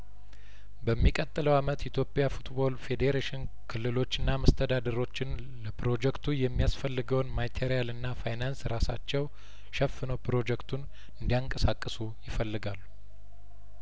በሚቀጥለው አመት ኢትዮጵያ ፉትቦል ፌዴሬሽን ክልሎችና መስተዳድሮችን ለፕሮጀክቱ የሚያስፈልገውን ማቴሪያልና ፋይናንስ ራሳቸው ሸፍነው ፕሮጀክቱን እንዲ ያንቀሳቅሱ ይፈልጋሉ